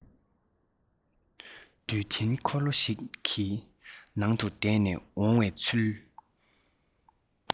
འདུད འཐེན འཁོར ལོ ཞིག གི ནང དུ བསྡད ནས འོང བའི ཚུལ